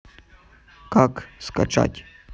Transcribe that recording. как скачать